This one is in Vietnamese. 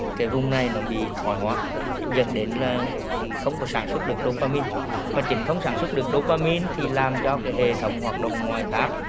cái vùng này nó bị thoái hóa dẫn đến là không có sản xuất được đô pha min và chính không sản xuất được đô pha min thì làm cho cái hệ thống hoạt động ngoại tháp